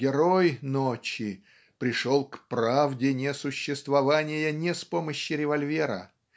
герой "Ночи" пришел к "правде несуществования" не с помощью револьвера